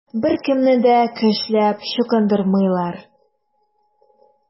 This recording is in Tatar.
Беркемне дә көчләп чукындырмыйлар.